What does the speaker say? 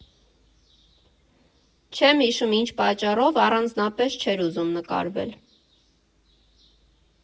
Չեմ հիշում ինչ պատճառով՝ առանձնապես չէր ուզում նկարվել։